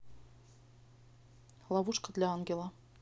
ловушка для ангела